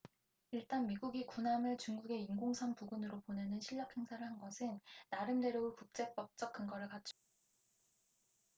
일단 미국이 군함을 중국의 인공섬 부근으로 보내는 실력행사를 한 것은 나름대로의 국제법적 근거를 갖추고 있다